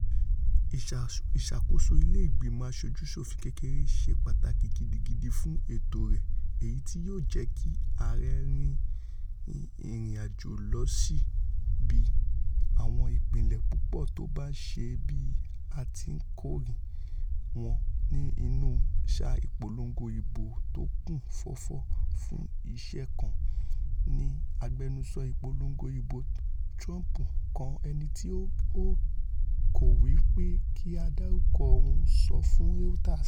Ìṣàkóso ilé Ìgbìmọ Aṣojú-ṣòfin kékeré ṣe pàtàkí gidigidi fún ètò rẹ̀ èyití yóò jẹ́kí ààrẹ rin ìrìn-àjò lọsí bíi àwọn ìpínlẹ̀ púpọ̀ tóbá ṣeé ṣe bí a tí ńkorí wọ inú sáà ìpolongo ìbò tókún fọ́fọ́ fún iṣẹ́ kan,'' ni agbẹnusọ ìpolongo ìbô Trump kan ẹnití ó kọ̀ wí pé kí a dárúkọ òun sọ fùn Reuters.